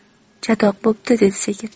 chatoq bo'pti dedi sekin